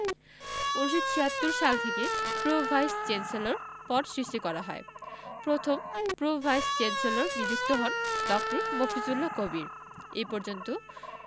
১৯৭৬ সাল থেকে pro vice chancellor পদ সৃষ্টি করা হয় প্রথম প্রো ভাইস চ্যান্সেলর নিযুক্ত হন ড. মফিজুল্লাহ কবির এ পর্যন্ত